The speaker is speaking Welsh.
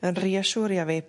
yn rîasiwrio fi